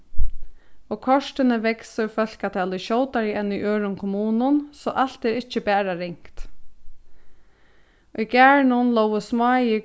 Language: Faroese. og kortini veksur fólkatalið skjótari enn í øðrum kommunum so alt er ikki bara ringt í garðinum lógu smáir